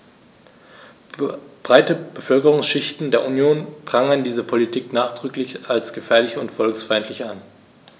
Breite Bevölkerungsschichten der Union prangern diese Politik nachdrücklich als gefährlich und volksfeindlich an.